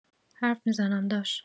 حرف می‌زنم داش.